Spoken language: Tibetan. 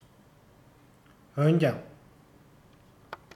འོན ཀྱང